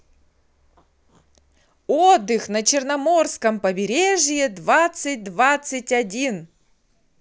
отдых на черноморском побережье двадцать двадцать один